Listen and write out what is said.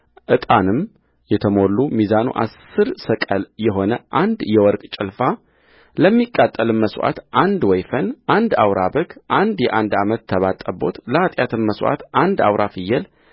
ዕጣንም የተሞላ ሚዛኑ አሥር ሰቅል የሆነ አንድ የወርቅ ጭልፋለሚቃጠልም መሥዋዕት አንድ ወይፈን አንድ አውራ በግ አንድ የአንድ ዓመት ተባት ጠቦትለኃጢአትም መሥዋዕት አንድ አውራ ፍየል